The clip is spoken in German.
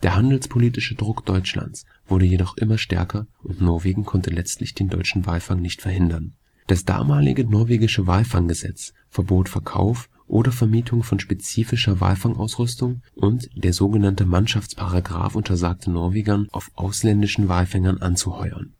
handelspolitische Druck Deutschlands wurde jedoch immer stärker und Norwegen konnte letztlich den deutschen Walfang nicht verhindern. Das damalige norwegische Walfanggesetz verbot Verkauf oder Vermietung von spezifischer Walfangausrüstung und der so genannte „ Mannschaftsparagraf “untersagte Norwegern auf ausländischen Walfängern anzuheuern